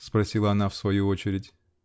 -- спросила она в свою очередь.